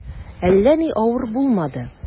Әллә ни авыр булмады.